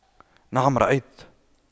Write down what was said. نعم رأيت